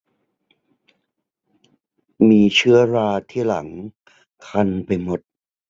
มีเชื้อราที่หลังคันไปหมด